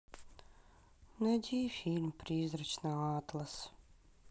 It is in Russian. найди фильм призрачный атлас